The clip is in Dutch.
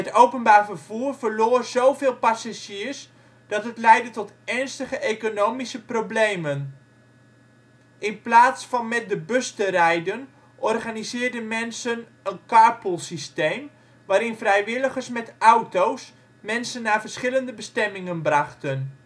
openbaar vervoer verloor zoveel passagiers dat het leidde tot ernstige economische problemen. In plaats van met de bus te rijden, organiseerden mensen een carpool-systeem waarin vrijwilligers met auto 's mensen naar verschillende bestemmingen brachten